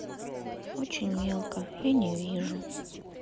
очень мелко я не вижу